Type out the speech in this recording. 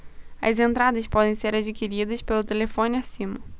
as entradas podem ser adquiridas pelo telefone acima